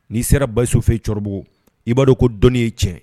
N'i sera basisofɛ cɛkɔrɔbabɔ i b'a dɔn ko dɔnni ye cɛ